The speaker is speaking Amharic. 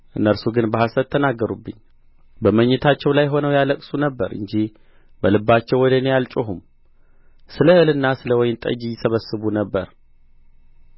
እነርሱ ግን በሐሰት ተናገሩብኝ በመኝታቸው ላይ ሆነው ያለቅሱ ነበር እንጂ በልባቸው ወደ እኔ አልጮኹም ስለ እህልና ስለ ወይን ጠጅ ይሰበሰቡ ነበር